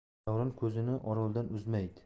davron ko'zini oroldan uzmaydi